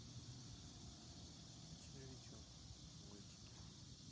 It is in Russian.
червячок мультики